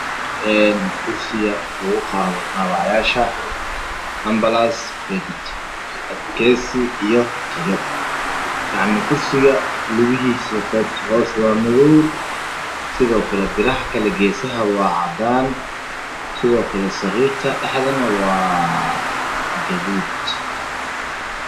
Waxaa ii muuqda sariirta dadka lagu qaado xanuunsan oo ambalans saaran tahay